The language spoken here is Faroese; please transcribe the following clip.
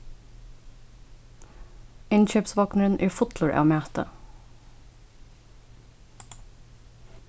innkeypsvognurin er fullur av mati